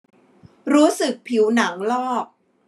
รู้สึกผิวหนังลอก